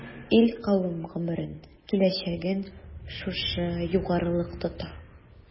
Ил-кавем гомерен, киләчәген шушы югарылык тота.